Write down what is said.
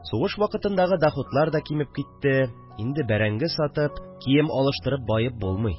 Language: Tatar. Сугыш вакытындагы доходлар да кимеп китте: инде бәрәңге сатып, кием алыштырып баеп булмый